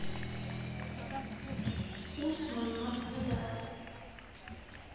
усман масвидаль